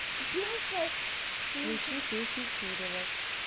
включи песню втюрилась